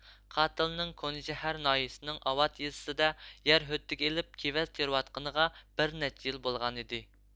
قاتىلنىڭ كونىشەھەر ناھىيىسىنىڭ ئاۋات يېزىسىدە يەر ھۆددىگە ئېلىپ كېۋەز تېرىۋاتقىنىغا بىر نەچچە يىل بولغانىدى